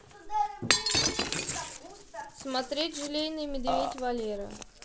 смотреть желейный медведь валера